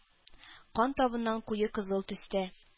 Кан табыннан куе кызыл төстә